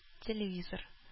Телевизор